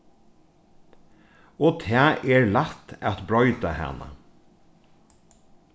og tað er lætt at broyta hana